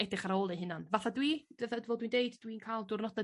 edrych ar ôl eu hunain fatha dw i dy- fel fel dwi'n deud dwi'n cael diwrnoda